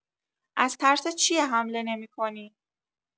از ترس چیه حمله نمی‌کنی؟